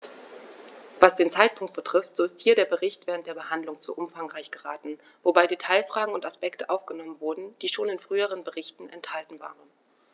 Was den Zeitpunkt betrifft, so ist hier der Bericht während der Behandlung zu umfangreich geraten, wobei Detailfragen und Aspekte aufgenommen wurden, die schon in früheren Berichten enthalten waren.